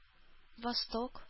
Восток